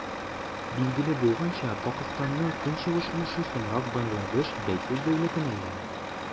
Билгеле булганча, Пакыстанның көнчыгыш өлеше соңрак Бангладеш бәйсез дәүләтенә әйләнә.